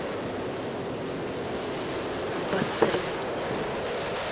обосремся